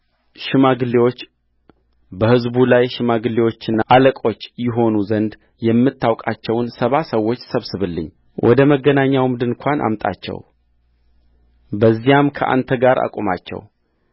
ሽማግሌዎች በሕዝቡ ላይ ሽማግሌዎችና አለቆች ይሆኑ ዘንድ የምታውቃቸውን ሰባ ሰዎች ሰብስብልኝ ወደ መገናኛውም ድንኳን አምጣቸው በዚያም ከአንተ ጋር አቁማቸው